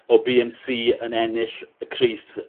o Bee Em See yn ennill y crys